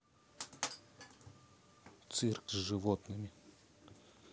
цирк с животными